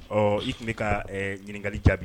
Ɔ i tun bɛ ka ɲininkakali jaabi